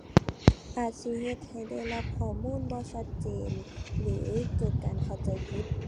อาจสิเฮ็ดให้ได้รับข้อมูลบ่ชัดเจนหรือเกิดการเข้าใจผิด